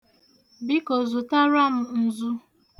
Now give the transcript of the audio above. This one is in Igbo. Biko, zụtara m nzu.